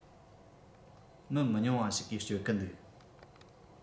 མི མི ཉུང བ ཞིག གིས སྤྱོད གི འདུག